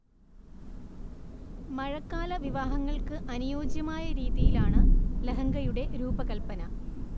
മഴക്കാല വിവാഹങ്ങൾക്ക് അനുയോജ്യമായ രീതിയിലാണ് ലഹങ്കയുടെ രൂപകല്പന